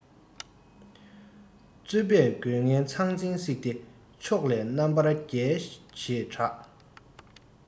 རྩོད པས རྒོལ ངན ཚང ཚིང བསྲེགས ཏེ ཕྱོགས ལས རྣམ པར རྒྱལ ཞེས གྲགས